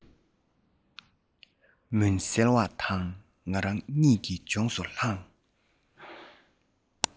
མུན གསལ བ དང ང རང གཉིད ཀྱི ལྗོངས སུ ལྷུང